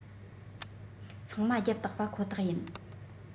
ཚང མ རྒྱབ སྟེགས པ ཁོ ཐག ཡིན